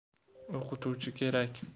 o'qituvchi erkak